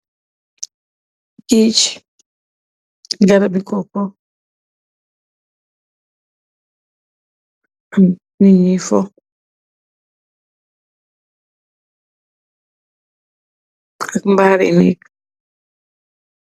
Geeg garabi coco am nit yui fo ak mbari neeg.